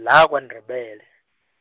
lakwaNdebele.